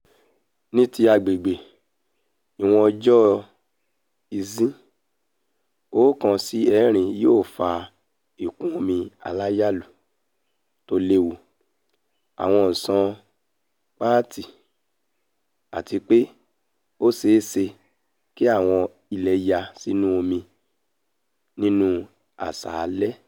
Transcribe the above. Ní ti agbègbè, ìwọ̀n òjò íǹsì 1 sí 4 yóò fa ìkún omi aláyalù tó léwu, àwọn ìsàn pàǹti àtipé ó ṣeé ṣe kí àwọn ilẹ̀ ya sínú omi nínú aṣálẹ̀.